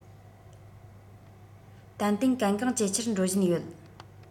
ཏན ཏན གལ འགངས ཇེ ཆེར འགྲོ བཞིན ཡོད